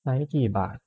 ใช้กี่บาท